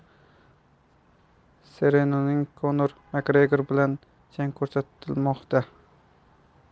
konor makgregor bilan jang ko'rsatilmoqda